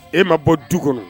E ma bɔ du kɔnɔ!